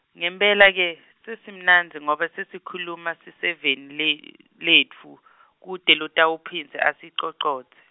ngempela ke, sesimnandzi ngobe sesikhuluma siseveni le- letfu kute lotawuphindze asicocodze.